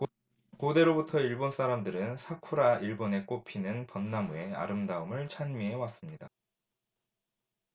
고대로부터 일본 사람들은 사쿠라 일본의 꽃피는 벚나무 의 아름다움을 찬미해 왔습니다